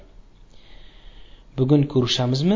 bugun ko'rishamizmi